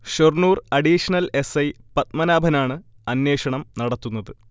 Shoranur additional S. I. പത്മനാഭനാണ് അന്വേഷണം നടത്തുന്നത്